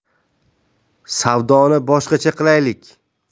savdoni boshqacha qilaylik